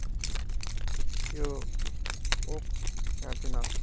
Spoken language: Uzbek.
yo' o'q kardinal